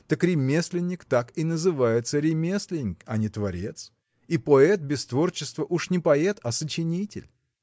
так ремесленник так и называется ремесленник а не творец и поэт без творчества уж не поэт а сочинитель.